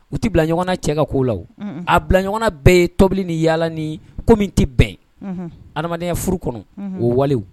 U tɛ bila ɲɔgɔnana cɛ ka ko la a bila ɲɔgɔn bɛɛ ye tobili ni yaala ni ko min tɛ bɛn adamadenyaya furu kɔnɔ o walew